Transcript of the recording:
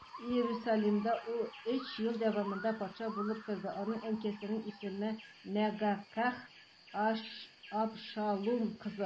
Иерусалимдә ул өч ел дәвамында патша булып торды, аның әнкәсенең исеме Мәгакәһ, Абшалум кызы.